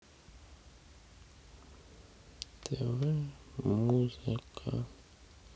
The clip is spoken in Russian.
тв музыка